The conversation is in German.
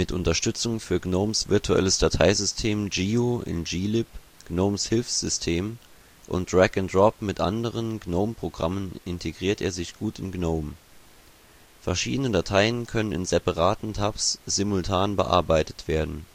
Unterstützung für GNOMEs virtuelles Dateisystem gio in GLib, GNOMEs Hilfesystem und Drag and Drop mit anderen GNOME-Programmen integriert er sich gut in GNOME. Verschiedene Dateien können in separaten Tabs simultan bearbeitet werden